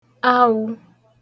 awụ̄